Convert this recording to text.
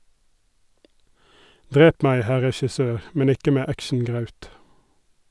Drep meg, herr regissør, men ikke med actiongraut.